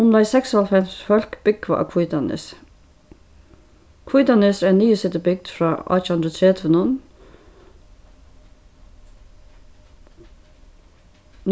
umleið seksoghálvfems fólk búgva á hvítanesi hvítanes er ein niðursetubygd frá átjanhundraðogtretivunum